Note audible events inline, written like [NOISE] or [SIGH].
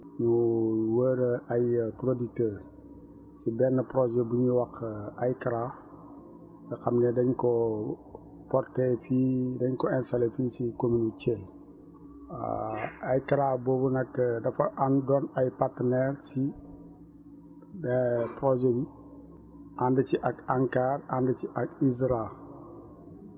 ñu wër ay producteurs si benn projet bu ñuy wax [HESITATION] AICRA nga xam ne dañu koo porté ci dañ ko installé fii si commune Thiel waaw AICRA boobu nag [HESITATION] dafa àndoon ay partenaires si [HESITATION] projet bi ànd ci ak ANCAR ànd ci ak ISRA